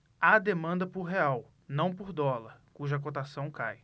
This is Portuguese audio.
há demanda por real não por dólar cuja cotação cai